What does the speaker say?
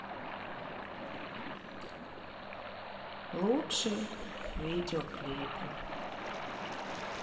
лучшие видео клипы